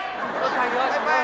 đi